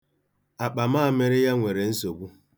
Akpamamịrị ya nwere nsogbu.